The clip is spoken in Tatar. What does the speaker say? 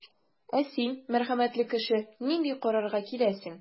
Ә син, мәрхәмәтле кеше, нинди карарга киләсең?